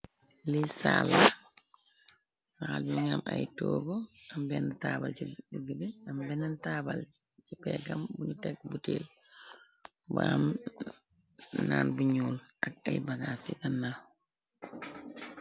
Lii saalla sal bi mu ngam ay toogo am benn taabal ci jugg bi am bennn taabal ci peggam buñu teg bu tiil bu am naan bu ñuul ak ay bagaas ci kannaw.